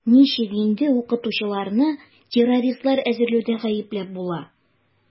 Ничек инде укытучыларны террористлар әзерләүдә гаепләп була?